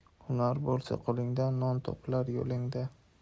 hunar bo'lsa qo'lingda non topilar yo'lingda